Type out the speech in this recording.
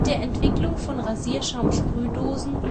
Entwicklung von Rasierschaumsprühdosen